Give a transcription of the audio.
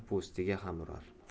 po'stiga ham urar